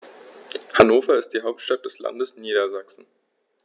Hannover ist die Hauptstadt des Landes Niedersachsen.